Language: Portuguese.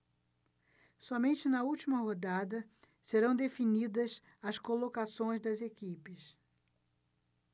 somente na última rodada serão definidas as colocações das equipes